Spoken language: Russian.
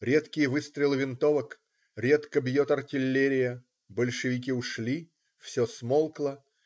Редкие выстрелы винтовок, редко бьет артиллерия. Большевики ушли. Все смолкло.